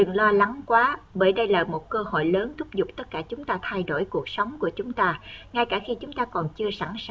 đừng lo lắng quá bởi đây là một cơ hội lớn thúc giục tất cả chúng ta thay đổi cuộc sống của chúng ta ngay cả khi chúng ta còn chưa sẵn sàng